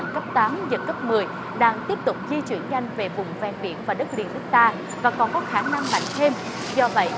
cấp tám giật cấp mười đang tiếp tục di chuyển nhanh về vùng ven biển và đất liền nước ta và còn có khả năng mạnh thêm do vậy